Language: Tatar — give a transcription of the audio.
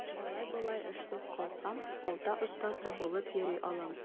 Алай-болай эшсез калсам, балта остасы булып йөри алам.